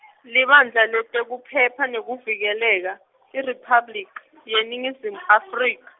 libandla Letekuphepha nekuvikeleka, IRiphabliki yeNingizimu Afrika.